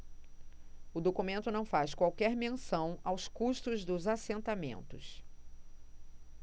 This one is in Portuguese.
o documento não faz qualquer menção aos custos dos assentamentos